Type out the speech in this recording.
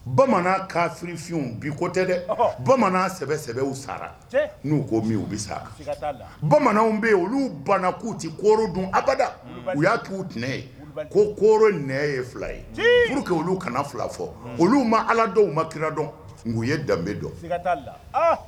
Bamanan kafi fiw bi ko tɛ dɛ bamanan sɛsɛw sara n'u ko mi u bɛ sa bamananw bɛ yen olu bana'u tɛ koro dun abada u y'a kɛ uinɛ ye ko ko koroɔri n ye fila ye olu kɛ olu kana fila fɔ olu ma ala dɔw ma kira dɔn u ye danbebe dɔn